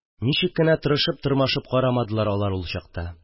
Ничек кенә тырышып-тырмашып карамадылар алар ул чакта